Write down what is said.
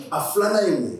A filanan in ko